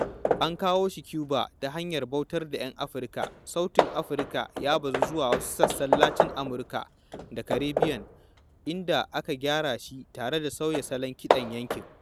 An kawo shi Cuba ta hanyar bautar da 'yan Afirka, sautin Afirka ya bazu zuwa wasu sassan Latin Amurka da Caribbean, inda aka gyara shi tare da sauya salon kiɗan yankin.